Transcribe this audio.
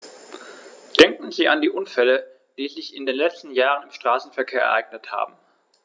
Denken Sie an die Unfälle, die sich in den letzten Jahren im Straßenverkehr ereignet haben.